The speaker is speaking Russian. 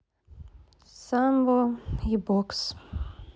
самбо и бокс